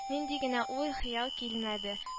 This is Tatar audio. Нинди генә уй-хыял килмәде